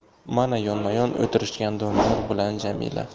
mana yonma yon o'tirishgan doniyor bilan jamila